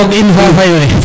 comme fog in fafay we